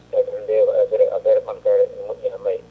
kadi min mbiyata affaire ɓamtare ne moƴƴi ha mayyi